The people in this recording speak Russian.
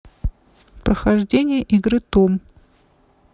прохождение игры том